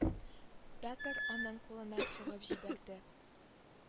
Бәкер аның кулына сугып җибәрде